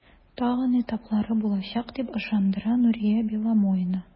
Тагын этаплары булачак, дип ышандыра Нурия Беломоина.